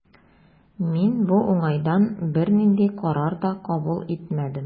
Мин бу уңайдан бернинди карар да кабул итмәдем.